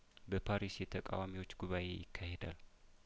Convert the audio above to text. በፓሪስ የተቃዋሚዎች ጉባኤ ይካሄዳል